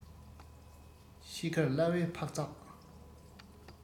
ཤི ཁར གླ བའི འཕག ཚག